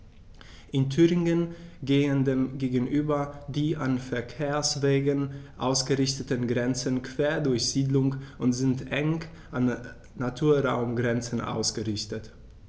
In Thüringen gehen dem gegenüber die an Verkehrswegen ausgerichteten Grenzen quer durch Siedlungen und sind eng an Naturraumgrenzen ausgerichtet.